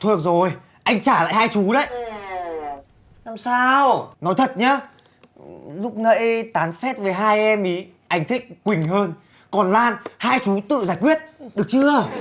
thôi được rồi anh trả lại hai chú đấy làm sao nói thật nhớ lúc nẫy tán phét với hai em ý anh thích quỳnh hơn còn lan hai chú tự giải quyết được chưa